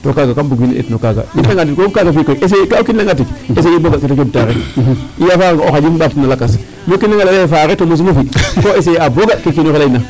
To kaaga kam bug wiin we eetino kaaga i ndetanga ndet koy bo kaaga essayer bo ga' keede cooxta rek a fi'a anga o xaƴin ɗeet no lakas bo kiin a layna yee faaxee to mosino fi' ko essayer bo ga' ke kiin oxe layna.